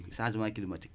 changement clmatique